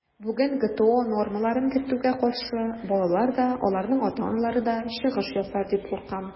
Бүген ГТО нормаларын кертүгә каршы балалар да, аларның ата-аналары да чыгыш ясар дип куркам.